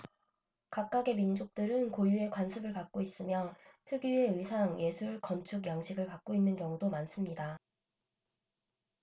각각의 민족들은 고유의 관습을 갖고 있으며 특유의 의상 예술 건축 양식을 갖고 있는 경우도 많습니다